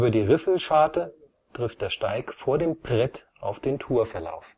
die Riffelscharte trifft der Steig vor dem Brett auf den Tourverlauf